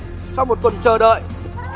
sau một tuần chờ đợi